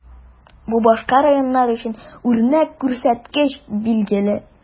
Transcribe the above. Бу башка районнар өчен үрнәк күрсәткеч, билгеле.